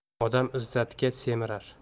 odam izzatga semirar